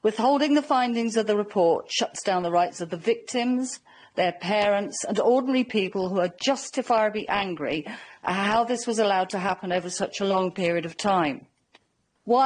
Withholding the findings of the report shuts down the rights of the victims, their parents and ordinary people who are justifiably angry at how this was allowed to happen over such a long period of time.